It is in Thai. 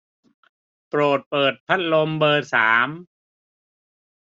โปรดเปิดพัดลมเบอร์สาม